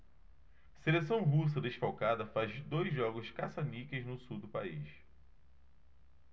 seleção russa desfalcada faz dois jogos caça-níqueis no sul do país